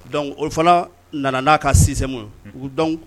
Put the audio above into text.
Don o fana nana n'a kabon u dɔn